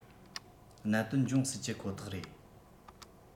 གནད དོན འབྱུང སྲིད ཀྱི ཁོ ཐག རེད